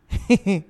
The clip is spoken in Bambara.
Ee